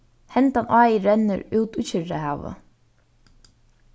hendan áin rennur út í kyrrahavið